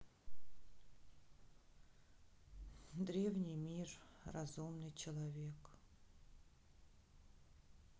древний мир разумный человек